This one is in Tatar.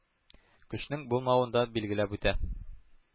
Көчнең булмавын да билгеләп үтә.